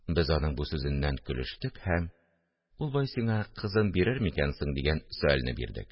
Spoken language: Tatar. Без аның бу сүзеннән көлештек һәм: – Ул бай сиңа кызын бирер микән соң? – дигән сөальне бирдек